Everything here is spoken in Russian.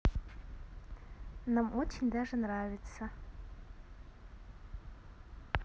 нам очень даже понравится